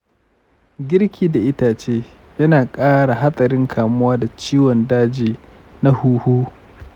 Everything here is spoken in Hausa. girki da itace yana kara hatsarin kamuwa da ciwon daji na huhu.